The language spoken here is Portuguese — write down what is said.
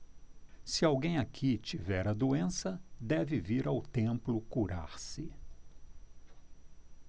se alguém aqui tiver a doença deve vir ao templo curar-se